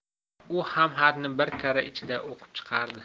u ham xatni bir karra ichida o'qib chiqardi